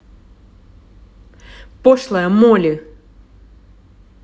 пошлая молли